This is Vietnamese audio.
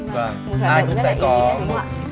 vâng ai cũng sẽ có một